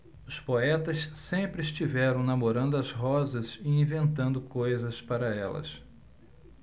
os poetas sempre estiveram namorando as rosas e inventando coisas para elas